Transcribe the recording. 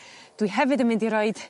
Dwi hefyd yn mynd i roid